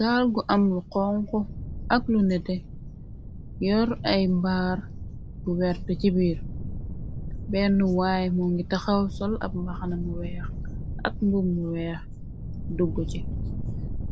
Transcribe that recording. gaal gu aml xonxu ak lu nete yor ay mbaar bu wert ci biir benn waay moo ngi taxaw sol ab mbaxnamu weex ak mbumu weex duggu ci